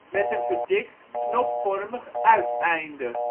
met een verdikt, knopvormige uiteinde